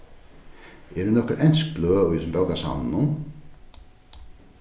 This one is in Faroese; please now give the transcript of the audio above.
eru nøkur ensk bløð í hesum bókasavninum